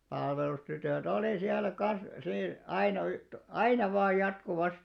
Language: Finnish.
palvelustytöt oli siellä kanssa - aina - aina vain jatkuvasti